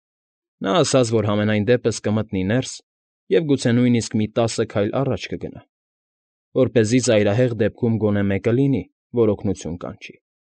Նա ասաց, որ համենայն դեպս կմտնի ներս և գուցե նույնիսկ մի տասը քայլ առաջ կգնա, որպեսզի ծայրահեղ դեպքում գոնե մեկը լինի, որ օգնություն կանչի։